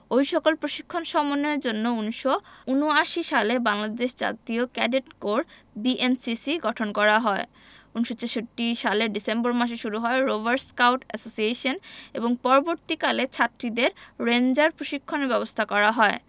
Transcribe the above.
ওই সকল প্রশিক্ষণ সমন্বয়ের জন্য ১৯৭৯ সালে বাংলাদেশ জাতীয় ক্যাডেট কোর বিএনসিসি গঠন করা হয় ১৯৬৬ সালের ডিসেম্বর মাসে শুরু হয় রোভার স্কাউট অ্যাসোসিয়েশন এবং পরবর্তীকালে ছাত্রীদের রেঞ্জার প্রশিক্ষণের ব্যবস্থা করা হয়